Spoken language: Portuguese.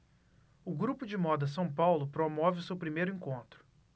o grupo de moda são paulo promove o seu primeiro encontro